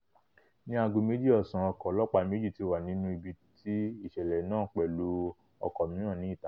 Ní aago méjì ọ̀sán ọkọ̀ ọlọ́ọ̀pá méji ti wà nínú ibití ìṣẹlẹ náà pẹ̀lú ọkọ̀ mìíràn ní ìta.